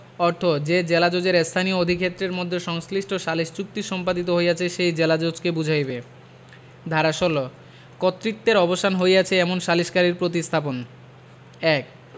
অর্থ যে জেলাজজের স্থানীয় অধিক্ষেত্রের মধ্যে সংশ্লিষ্ট সালিস চুক্তি সম্পাদিত হইয়াছে সেই জেলাজজকে বুঝাইবে ধারা ১৬ কর্তৃত্বের অবসান হইয়াছে এমন সালিসকারীর প্রতিস্থাপন ১